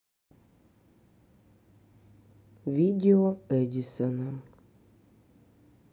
видео эдисона